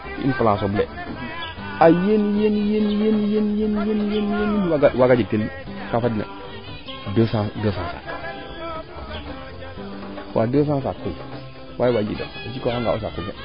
plan sobl a yen yen yen waaga jeg teen kaa fadna 200 sacs wa 200 sacs koy o jikooranga o saaku